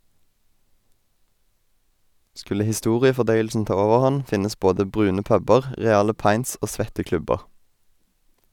Skulle historiefordøyelsen ta overhånd, finnes både brune puber, reale pints og svette klubber.